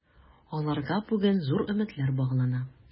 Аларга бүген зур өметләр баглана.